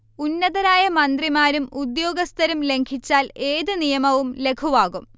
ഉന്നതരായ മന്ത്രിമാരും ഉദ്യോഗസ്ഥരും ലംഘിച്ചാൽ ഏത് നിയമവും ലഘുവാകും